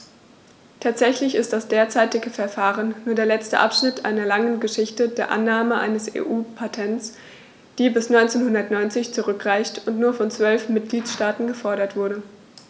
Tatsächlich ist das derzeitige Verfahren nur der letzte Abschnitt einer langen Geschichte der Annahme eines EU-Patents, die bis 1990 zurückreicht und nur von zwölf Mitgliedstaaten gefordert wurde.